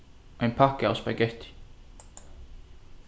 ein pakka av spagetti